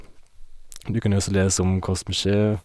Du kan jo også lese om hva som skjer.